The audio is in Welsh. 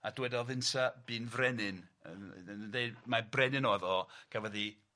A dywedodd inta bu'n frenin, yn yn yn yn deud mai brenin oedd o gafodd 'i